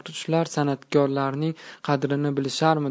shular san'atkorning qadrini bilisharmidi